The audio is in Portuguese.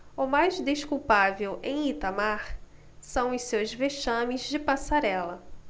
o mais desculpável em itamar são os seus vexames de passarela